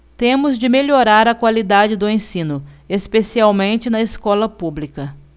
temos de melhorar a qualidade do ensino especialmente na escola pública